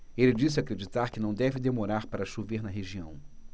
ele disse acreditar que não deve demorar para chover na região